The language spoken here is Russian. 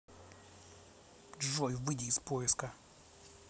джой выйди из поиска